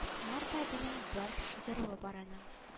Марпа әбинен бар җыруы бар барын